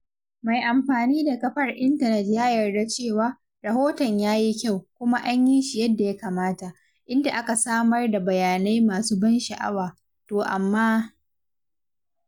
Mai amfani da kafar intanet ya yarda cewa, rahoton ya yi kyau kuma an yi shi yadda ya kamata, inda aka samar da bayanai masu ban sha'awa, to amma….